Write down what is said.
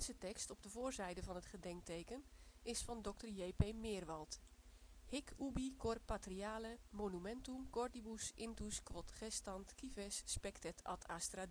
tekst op de voorzijde van het gedenkteken is van dr. J.P. Meerwaldt: Hic ubi cor patriale monumentum cordibus intus quod gestant cives spectet ad astra